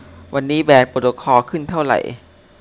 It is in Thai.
วันนี้แบรนด์โปรโตคอลขึ้นเท่าไหร่